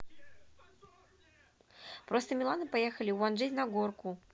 просто милана поехали one жизнь на горку